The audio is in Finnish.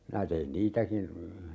minä tein niitäkin